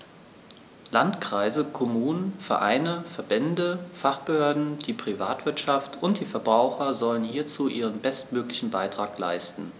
Landkreise, Kommunen, Vereine, Verbände, Fachbehörden, die Privatwirtschaft und die Verbraucher sollen hierzu ihren bestmöglichen Beitrag leisten.